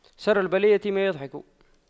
شر البلية ما يضحك